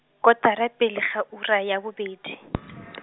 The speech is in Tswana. kotara pele ga ura ya bobedi .